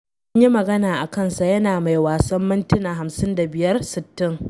“Mun yi magana a kansa yana mai wasan mintina 55, 60.